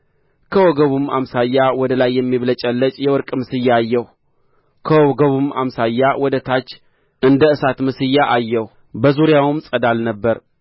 ከወገቡም አምሳያ ወደ ላይ የሚብለጨለጭ የወርቅ ምስያ አየሁ ከወገቡም አምሳያ ወደ ታች እንደ እሳት ምስያ አየሁ በዙሪያውም ፀዳል ነበረ